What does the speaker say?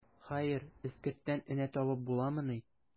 Хәер, эскерттән энә табып буламыни.